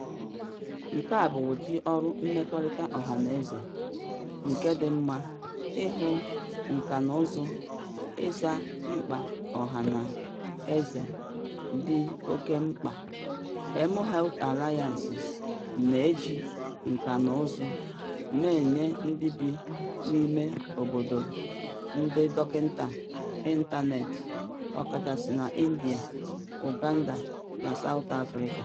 "Nke a bụ ụdị ọrụ mmekọrịta ọhanaeze nke dị mma ịhụ - nkànaụzụ ịza mkpa ọhaneze dị oké mkpa…mHealth Alliance na-eji nkànaụzụ na-enye ndị bi n'ime imeobodo ndị dọkịta ịntaneetị, ọkachasị n'India, Uganda na South Africa."